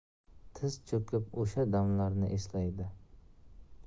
tiz cho'kib o'sha damlarni eslaydi